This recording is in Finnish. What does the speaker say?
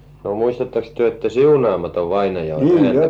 no muistattekos te että siunaamaton vainaja olisi käynyt